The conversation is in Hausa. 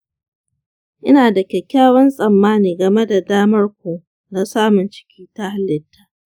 ina da kyakkyawan tsammani game da damar ku na samun ciki ta halitta.